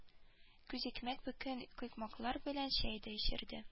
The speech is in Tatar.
Күзикмәк бөккән коймаклар белән чәй дә эчерде